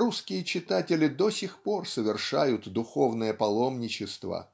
русские читатели до сих пор совершают духовное паломничество